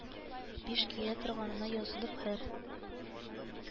Биш килә торганына язылып, һәр